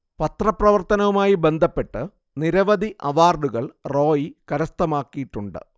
പത്രപ്രവർത്തനവുമായി ബദ്ധപ്പെട്ട് നിരവധി അവാർഡുകൾ റോയ് കരസ്ഥമാക്കിയിട്ടുണ്ട്